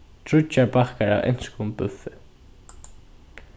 tríggjar bakkar av enskum búffi